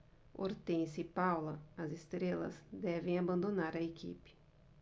hortência e paula as estrelas devem abandonar a equipe